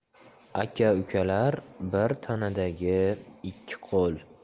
aka ukalar bir tanadagi ikki qo'l